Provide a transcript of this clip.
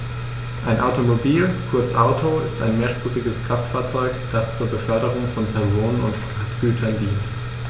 Ein Automobil, kurz Auto, ist ein mehrspuriges Kraftfahrzeug, das zur Beförderung von Personen und Frachtgütern dient.